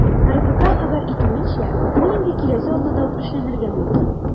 РБК хәбәр итүенчә, бу инде киләсе атнада ук эшләнергә мөмкин.